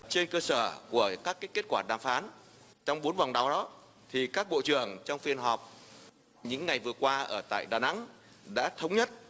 trên cơ sở của các kết kết quả đàm phán trong bốn vòng đấu đó thì các bộ trưởng trong phiên họp những ngày vừa qua ở tại đà nẵng đã thống nhất